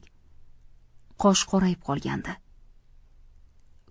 qosh qorayib qolgandi